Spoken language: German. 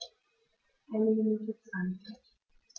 Eine Minute 20